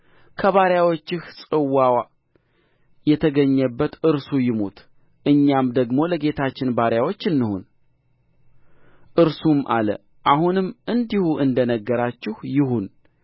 ከባሪያዎችህ ጽዋው የተገኘበት እርሱ ይሙት እኛም ደግሞ ለጌታችን ባሪያዎች እንሁን እርሱም አለ አሁንም እንዲሁ እንደ ነገራችሁ ይሁን